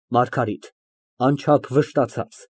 ՄԱՐԳԱՐԻՏ ֊ (Անչափ վշտացած)